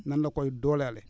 nan la koy dooleelee